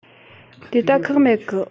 དེ ད ཁག མེད གི